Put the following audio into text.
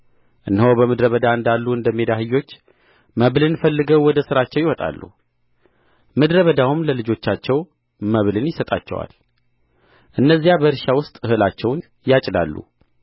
እነሆ በምድረ በዳ እንዳሉ እንደ ሜዳ አህዮች መብልን ፈልገው ወደ ሥራቸው ይወጣሉ ምድረ በዳውም ለልጆቻቸው መብልን ይሰጣቸዋል እነዚያ በእርሻ ውስጥ እህላቸውን ያጭዳሉ